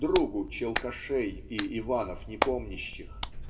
другу Челкашей и Иванов Непомнящих?